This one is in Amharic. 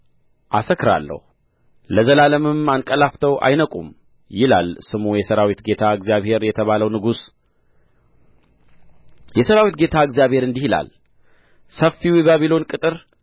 አሰክራለሁ ለዘላለምም አንቀላፍተው አይነቁም ይላል ስሙ የሠራዊት ጌታ እግዚአብሔር የተባለው ንጉሥ የሠራዊት ጌታ እግዚአብሔር እንዲህ ይላል ሰፊው የባቢሎን ቅጥር